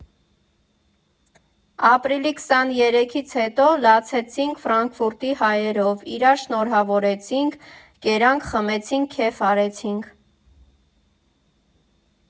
Ապրիլի քսաներեքից հետո լացեցինք Ֆրանկֆուրտի հայերով, իրար շնորհավորեցինք, կերանք֊խմեցինք֊քեֆ արեցինք։